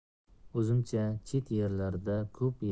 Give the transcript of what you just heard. o'zimcha chet yerlarda ko'p